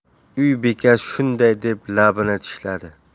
uy bekasi shunday deb labini tishladi